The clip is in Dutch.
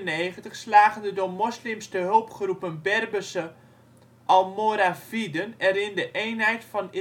1091 slagen de door moslims ter hulp geroepen Berberse Almoraviden erin de eenheid van